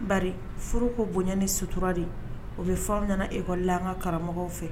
bari furu ko bonya ni sutura de, o bɛ fɔ anw ɲɛna an ka école la an ka karamɔgɔw fɛ